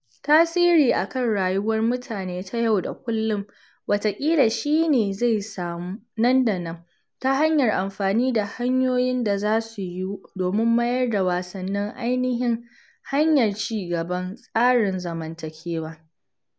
Tasiri a kan rayuwar mutane ta yau da kullum wataƙila shi ne zai samu nan da nan, ta hanyar amfani da hanyoyin da za su yiwu domin mayar da wasanni ainihin hanayar ci gaban tsarin zamantakewa.